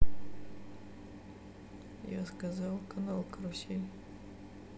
я сказал канал карусель